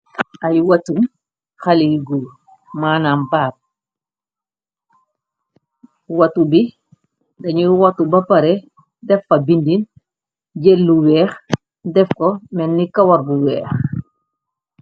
Ay watum xaligu, maanam baar watu bi dañuy watu ba pare def fa bindin jël lu weex def ko menni kawar bu weex.